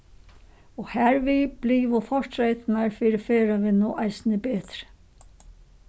og harvið blivu fortreytirnar fyri ferðavinnu eisini betri